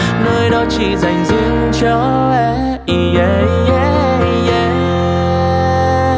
nơi đó chỉ giành riêng cho em